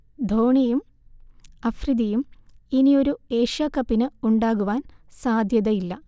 ധോണിയും അഫ്രിദിയും ഇനിയൊരു ഏഷ്യാ കപ്പിന് ഉണ്ടാകുവാൻ സാധ്യത ഇല്ല